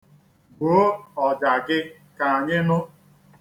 Gbuo ọja gị ka anyị nụ.